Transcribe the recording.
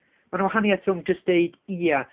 Ma 'na wahaniath rhwng jyst deud ia...